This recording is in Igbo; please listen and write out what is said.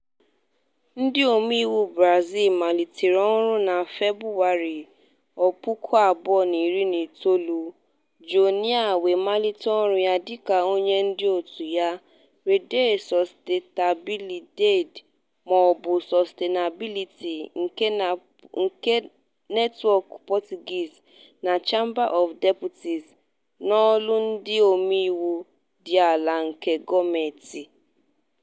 Ndị omeiwu Brazil malitere ọrụ na Febụwarị 2019, Joênia wee malite ọrụ ya dịka onye ndu òtù ya, Rede Sustentabilidade (mọọbụ Sustainability Network na Portuguese),na Chamber of Deputies, n'ụlọ ndị omeiwu dị ala nke gọọmentị.